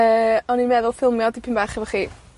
Yy, o'n i'n meddwl ffilmio dipyn bach hefo chi